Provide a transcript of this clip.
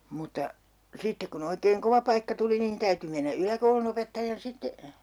mutta sitten kun oikein kova paikka tuli niin täytyi mennä yläkoulunopettajan sitten